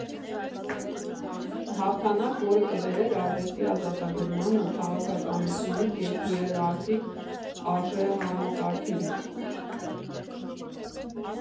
Հաղթանակ, որը կբերեր արվեստի ազատագրմանը քաղաքականությունից և հիերարխիկ արժեհամակարգերից։